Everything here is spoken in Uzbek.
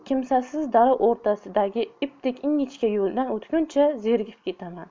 kimsasiz dala o'rtasidagi ipdek ingichka yo'ldan o'tguncha zerikib ketaman